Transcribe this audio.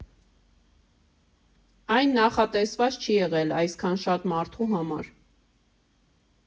Այն նախատեսված չի եղել այսքան շատ մարդու համար։